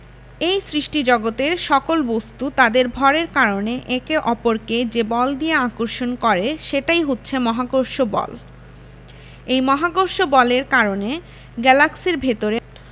এই সৃষ্টিজগতের সকল বস্তু তাদের ভরের কারণে একে অপরকে যে বল দিয়ে আকর্ষণ করে সেটাই হচ্ছে মহাকর্ষ বল এই মহাকর্ষ বলের কারণে গ্যালাক্সির ভেতরে